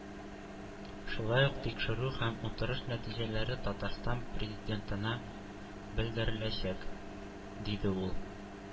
Шулай ук тикшерү һәм утырыш нәтиҗәләре Татарстан Президентына белдереләчәк диде ул.